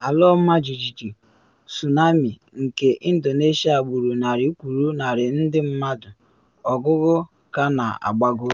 Ala ọmajiji, tsunami, nke Indonesia gburu narị kwụrụ narị ndị mmadụ, ọgụgụ ka na agbago